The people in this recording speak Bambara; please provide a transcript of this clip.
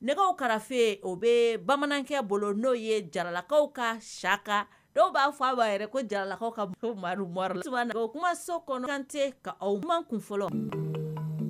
Nɛgɛ karafe o bɛ bamanankɛ bolo n'o ye jaralakaw ka saka dɔw b'a fɔ a b'a yɛrɛ ko jaralakaw ka kuma so kɔnɔkante ka aw man kun fɔlɔ